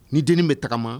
Ni dennin bɛ tagama